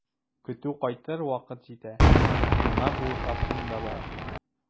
Көтү кайтыр вакыт җитә, миңа булышасың да бар.